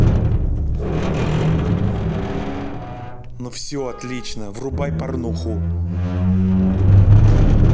ну все отлично врубай порнуху